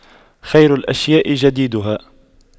خير الأشياء جديدها